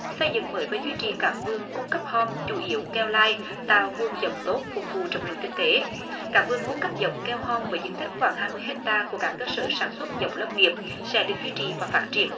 xây dựng mới và duy trì các vườn cung cấp hom chủ yếu keo lai tạo nguồn giống tốt phục vụ trồng rừng kinh tế các vườn cung cấp giống keo hom với diện tích khoảng hai mươi héc ta của các cơ sở sản xuất giống lâm nghiệp sẽ được duy trì và phát triển